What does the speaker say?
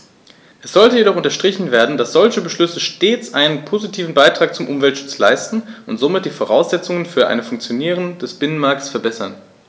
Es sollte jedoch unterstrichen werden, dass solche Beschlüsse stets einen positiven Beitrag zum Umweltschutz leisten und somit die Voraussetzungen für ein Funktionieren des Binnenmarktes verbessern.